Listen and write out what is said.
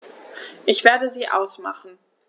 Ich werde sie ausmachen.